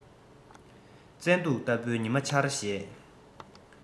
བཙན དུག ལྟ བུའི ཉི མ འཆར ཞེས